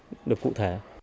được cụ thể